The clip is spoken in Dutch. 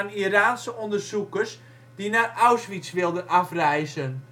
Iraanse onderzoekers die naar Auschwitz wilden afreizen